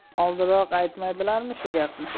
oldinroq aytmaydilarmi shu gapni